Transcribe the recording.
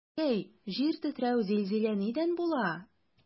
Әткәй, җир тетрәү, зилзилә нидән була?